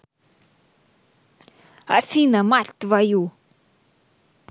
афина мать твою